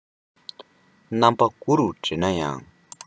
རྣམ པ དགུ རུ འདྲེན ན ཡང